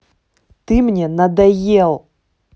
ты мне надоел